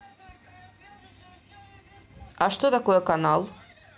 а что такое канал